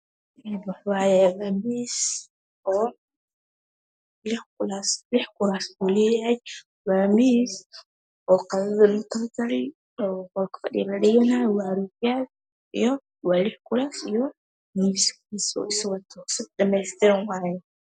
Een waxa waayo ee waa miis oo 6 kuraas 6 kuraas uu leeyahay waa miis oo qadada loogu talagalay oo qolka fadhiga la dhiganayo waa rugyaal waa 6 kuraas iyo miis is wato dhamaystiran waaye